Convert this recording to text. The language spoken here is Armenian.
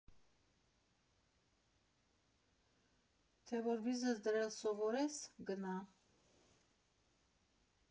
Թե որ վիզ ես դրել սովորես՝ գնա։